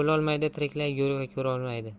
o'lolmaydi tiriklay go'rga kirolmaydi